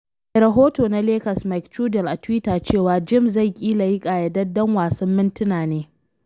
Mai rahoto na Lakers Mike Trudell a Twitter cewa James zai kila yi kayyadedden wasan mintina ne.